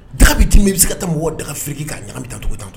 Daga bɛ ten min i bɛ se ka taa mɔgɔ dagariki k'a ɲɛ bɛ tacogo tan